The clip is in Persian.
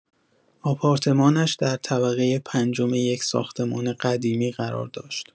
آپارتمانش در طبقه پنجم یک ساختمان قدیمی قرار داشت.